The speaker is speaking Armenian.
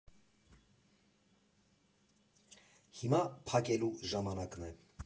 Հիմա փակելու ժամանակն է։